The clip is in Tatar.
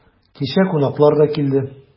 Кичә кунаклар да килде.